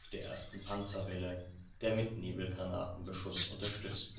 ersten Panzerwelle, der mit Nebelgranatenbeschuss unterstützt